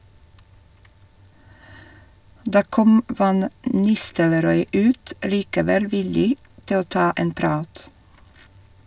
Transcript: Da kom van Nistelrooy ut, likevel villig til å ta en prat.